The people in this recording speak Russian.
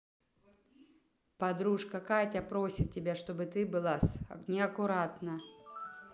подружка катя просит тебя чтобы ты была с неаккуратно